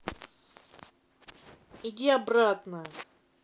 иди обратно